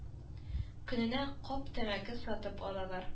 Көненә - кап тәмәке сатып алалар